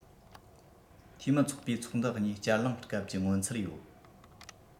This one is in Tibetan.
འཐུས མི ཚོགས པས ཚོགས འདུ གཉིས བསྐྱར གླེང སྐབས ཀྱི མངོན ཚུལ ཡོད